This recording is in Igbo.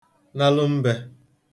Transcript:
nalụ mbē